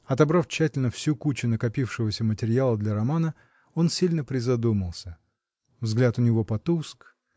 Отобрав тщательно всю кучу накопившегося материала для романа, он сильно призадумался. Взгляд у него потуск